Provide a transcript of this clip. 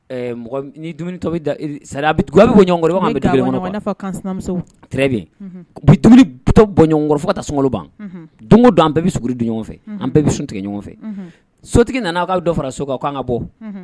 Mɔgɔ ni to bɛ bɔ ɲɔn an bɛ ɲɔgɔnmuso bɛ bi bɔnɔnkɔrɔ fo ka taa sun ban don don an bɛɛ bɛ s dun ɲɔgɔnfɛ an bɛɛ bɛ sun tigɛ ɲɔgɔnfɛ sotigi nana' dɔ fara so kan ko' ka bɔ